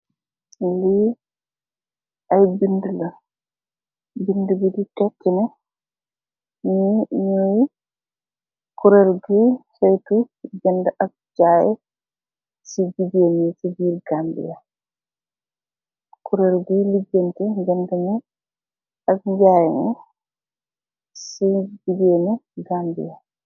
Lii ay bindë la, bindë di tekki ne, ñee ñoy kureel guy, sëytu janda ak jaay, si jigéen I si Gambiya. Kurel guy liganti ñjanda mi ak ñaay mi, si jigéen i Gambiya.